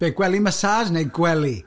Be gwely massage neu gwely?